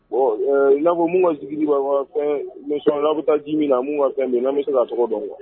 'a minnu ka sigilen fɛn' bɛ taa ji min na min ka fɛn min n' bɛ se ka tɔgɔ dɔn wa